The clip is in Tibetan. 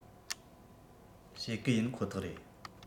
བྱེད གི ཡིན ཁོ ཐག རེད